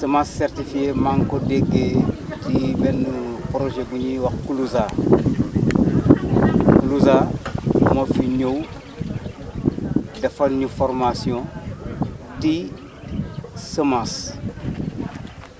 semence certifiée maa ngi ko déggee ci benn projet bu ñuy wax KULUZA KULUZA moo fi ñëw defal ñu formation si semence